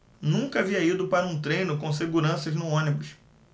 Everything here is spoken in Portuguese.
nunca havia ido para um treino com seguranças no ônibus